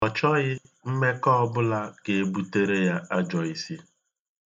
Ọ chọghị mmekọ ọbụla ga-ebutere ya ajọisị